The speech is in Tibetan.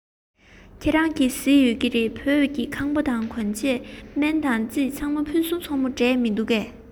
ཁྱེད རང གིས གཟིགས ཡོད འགྲོ བོད ཀྱི ཁང པ དང གྱོན ཆས བོད ཀྱི སྨན དང རྩིས ཚང མ ཕུན སུམ ཚོགས པོ འདྲས མི འདུག གས